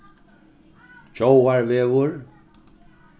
gjáarvegur